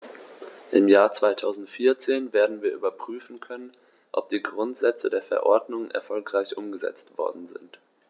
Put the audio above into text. Im Jahr 2014 werden wir überprüfen können, ob die Grundsätze der Verordnung erfolgreich umgesetzt worden sind.